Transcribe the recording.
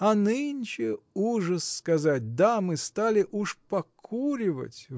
А нынче, ужас сказать, дамы стали уж покуривать